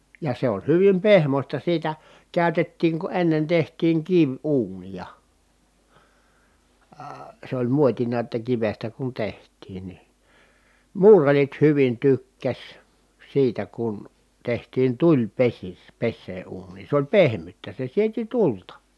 ja se on hyvin pehmoista siitä käytettiin kun ennen tehtiin kiviuuneja - se oli muotina että kivestä kun tehtiin niin muurarit hyvin tykkäsi siitä kun tehtiin - tulipesää uuniin se oli pehmyttä se sieti tulta